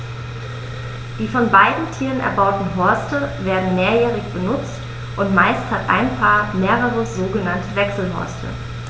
Die von beiden Tieren erbauten Horste werden mehrjährig benutzt, und meist hat ein Paar mehrere sogenannte Wechselhorste.